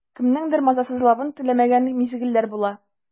Кемнеңдер мазасызлавын теләмәгән мизгелләр була.